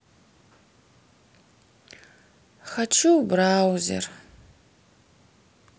хочу браузер